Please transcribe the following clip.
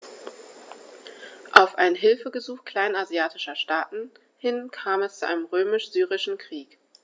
Auf ein Hilfegesuch kleinasiatischer Staaten hin kam es zum Römisch-Syrischen Krieg.